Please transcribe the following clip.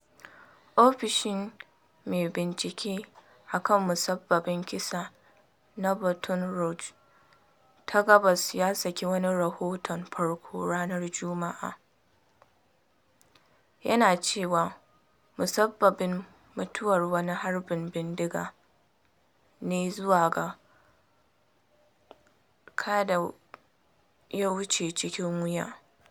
Ofishin Mai Binciken a kan Musabbabin Kisa na Baton Rouge ta Gabas ya saki wani rahoton farko ranar Jumu’a, yana cewa musabbabin mutuwar wani harbin bindiga ne zuwa ga ka da ya wuce cikin wuya.